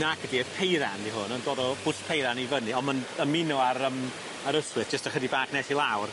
Nac ydi y Peiran 'di hwn yn dod o Bwll Peiran i fyny on' ma'n ymuno ar yym a'r Ystwyth jyst ychydig bach nes i lawr.